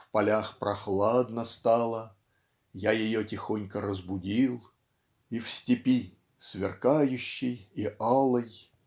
в полях прохладно стало Я ее тихонько разбудил И в степи сверкающей и алой